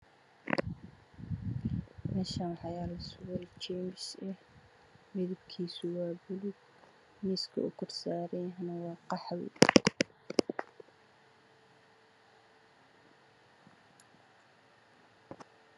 Waa surwaal midabkiisu yahay waxa uu saaran yahay miis qaxwi